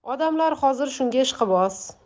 odamlar hozir shunga ishqiboz